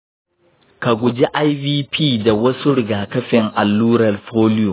ka guji ivp da wasu rigakafin allurar foliyo.